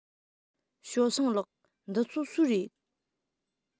ཞའོ སུང ལགས འདི ཚོ སུའི རེད